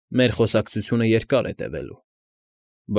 Մեր խոսակցությունը երկար է տևելու։